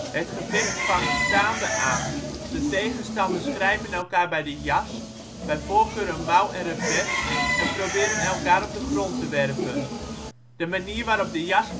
Het gevecht vangt staande aan; de tegenstanders grijpen elkaar bij de jas, bij voorkeur een mouw en revers en proberen elkaar op de grond te werpen. De manier waarop de jas vastgepakt